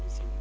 de Sine